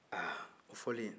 aa o fɔlen